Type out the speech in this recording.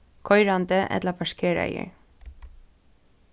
koyrandi ella parkeraðir